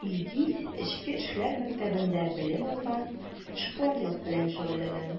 Илгиз Эчке эшләр мәктәбендә белем алган, эшкуарлык белән шөгыльләнә.